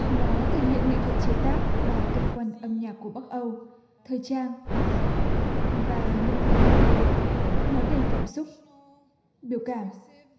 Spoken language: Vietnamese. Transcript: nó thể hiện nghệ thuật chế tác và cảnh quan âm nhạc của bắc âu thời trang và những thứ như thế nó đầy cảm xúc biểu cảm